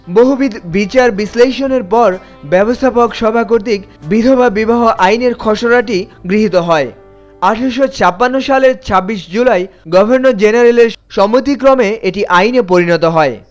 বহুবিধ বিচার- বিশ্লেষণের পর ব্যবস্থা পত্র সভা কর্তৃক বিধবা বিবাহ আইনের খসড়াটি গৃহীত হয় ১৮৫৬ সালের ২৬ জুলাই গভর্নর জেনারেলের সম্মতিক্রমে এটি আইনে পরিণত হয়